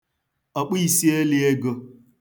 ọ̀kpụīsīelīēgō